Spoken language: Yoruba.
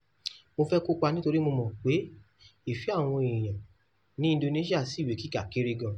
Mo fẹ́ kópa nítorí mo mọ̀ pé ìfẹ́ àwọn èèyàn Indonesia sí ìwé kíkà kéré gan.